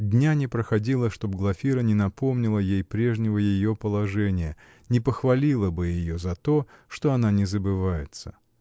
Дня не проходило, чтоб Глафира не напомнила ей прежнего ее положения, не похвалила бы ее за то, что она не забывается.